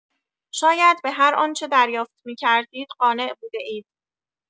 شاید به هرآنچه دریافت می‌کردید، قانع بوده‌اید.